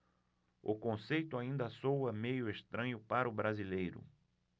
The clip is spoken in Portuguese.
o conceito ainda soa meio estranho para o brasileiro